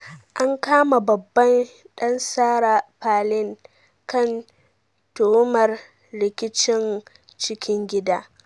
An kama babban dan Sarah Palin kan tuhumar rikicin cikin gida